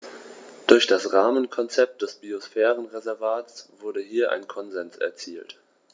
Durch das Rahmenkonzept des Biosphärenreservates wurde hier ein Konsens erzielt.